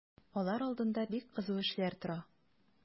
Алар алдында бик кызу эшләр тора.